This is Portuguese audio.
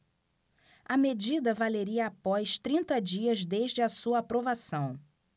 a medida valeria após trinta dias desde a sua aprovação